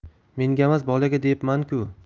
mengamas bolaga deyapmanku